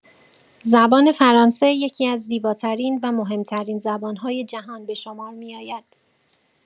زبان فرانسه یکی‌از زیباترین و مهم‌ترین زبان‌های جهان به شمار می‌آید.